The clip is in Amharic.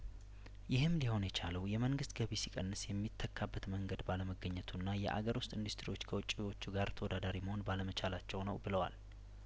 ይህም ሊሆን የቻለው የመንግስት ገቢ ሲቀንስ የሚተካበት መንገድ ባለመገኘቱና የአገር ውስጥ ኢንዱስትሪዎች ከውጪዎቹ ጋር ተወዳዳሪ መሆን ባለመቻላቸው ነው ብለዋል